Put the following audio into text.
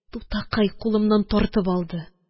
Тутакай кулымнан тартып алды